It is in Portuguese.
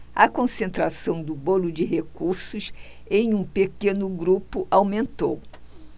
a concentração do bolo de recursos em um pequeno grupo aumentou